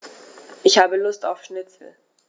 Ich habe Lust auf Schnitzel.